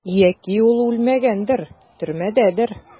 Яки ул үлмәгәндер, төрмәдәдер?